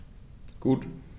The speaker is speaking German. Gut.